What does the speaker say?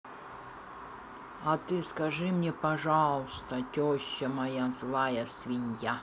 а ты скажи мне пожалуйста теща моя злая свинья